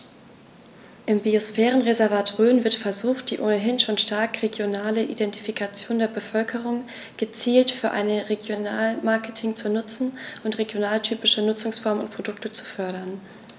Im Biosphärenreservat Rhön wird versucht, die ohnehin schon starke regionale Identifikation der Bevölkerung gezielt für ein Regionalmarketing zu nutzen und regionaltypische Nutzungsformen und Produkte zu fördern.